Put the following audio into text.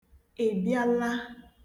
ị̀bịala